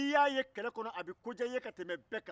n'i y'a ye kɛlɛ kɔnɔ a bɛ kodiya i ye ka tɛmɛ bɛɛ kan